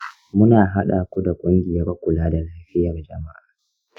muna haɗa ku da ƙungiyar kula da lafiyar jama'a.